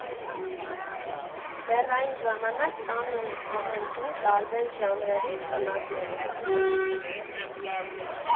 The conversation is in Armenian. Դեռ այն ժամանակ տանն ամենուր տարբեր ժանրերի պնակներ էին։